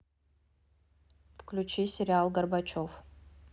включи сериал горбачев